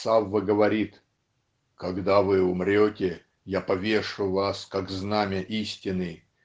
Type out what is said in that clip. Савва говорит: "Когда вы умрете, я повешу вас как знамя истины.